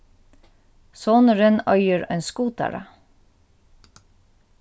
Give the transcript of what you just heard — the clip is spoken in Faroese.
sonurin eigur ein skutara